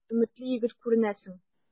Өметле егет күренәсең.